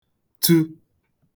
tu